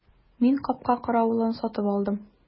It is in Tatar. Мин капка каравылын сатып алдым.